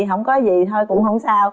hổng có gì thôi cũng hổng sao